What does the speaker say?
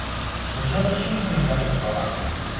Хуҗа чын күңелдән шатлана.